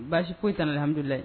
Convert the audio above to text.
Baasi fosi t'an na alihamudu lilaahi